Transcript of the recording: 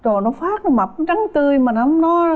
trời nó phát kí mập nó trắng tươi mà nắm nó